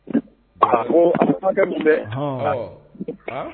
A ko masakɛ kun bɛ